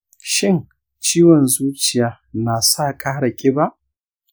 shin ciwon zuciya na sa kara kiba?